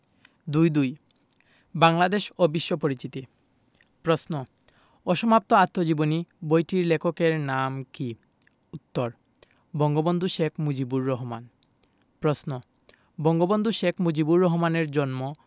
২২ বাংলাদেশ ও বিশ্ব পরিচিতি প্রশ্ন অসমাপ্ত আত্মজীবনী বইটির লেখকের নাম কী উত্তর বঙ্গবন্ধু শেখ মুজিবুর রহমান প্রশ্ন বঙ্গবন্ধু শেখ মুজিবুর রহমানের জন্ম